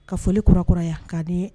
Ka foli kura-kuraya k'a dii